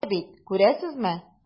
Менә бит, күрәсезме.